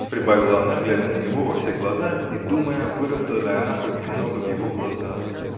— прибавила она, глядя на него во все глаза и думая, выросла ли она хоть немного в его глазах?